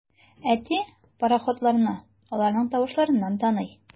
Әти пароходларны аларның тавышларыннан таный.